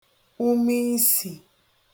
umeisì